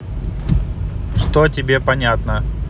что тебе понятно